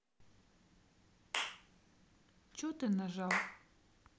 че ты нажал